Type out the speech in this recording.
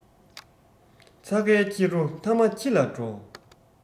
ཚྭ ཁའི ཁྱི རོ མཐའ མ ཁྱི ལ འགྲོ